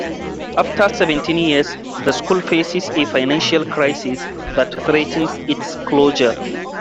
After 17 years, the school faces a financial crisis that threatens its closure.